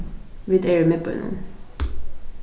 vit eru í miðbýnum